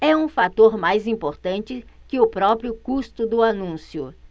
é um fator mais importante que o próprio custo do anúncio